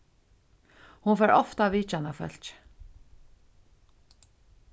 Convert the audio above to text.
hon fær ofta vitjan av fólki